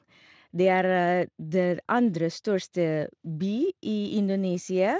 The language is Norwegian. Det er der andre største by i Indonesia.